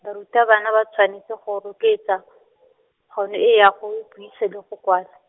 barutabana ba tshwanetse go rotloetsa , kgono e ya go buisa le go kwala.